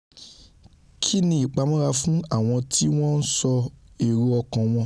Kòní ìpamọ́ra fún àwọn ti wọ́n ńsọ èrò ọkàn wọn